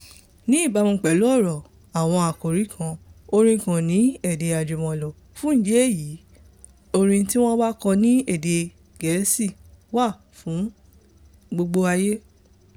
Ní ìbámu pẹ̀lú ọ̀rọ̀ àwọn àkòrí kan, orin kò ní èdè àjùmọ̀lò, fún ìdí èyí orin tí wọ́n bá kọ ní èdè Gẹ̀ẹ́sì wà fún gbogbo ayé.